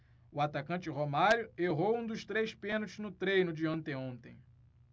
o atacante romário errou um dos três pênaltis no treino de anteontem